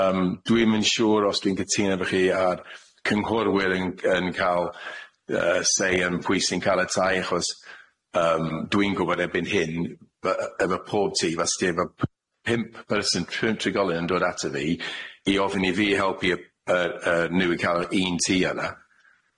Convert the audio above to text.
Yym dwi'm yn siŵr os dwi'n cytuno efo chi a'r cynghorwyr yn yn ca'l yy say yn pwy sy'n caratáu achos yym dwi'n gwbod erbyn hyn b- yy efo pob tŷ fas di efo p- p- pump person tr- trigolyn yn dod ato fi i ofyn i fi helpu yy yy yy nw i ca'l yr un tŷ yna.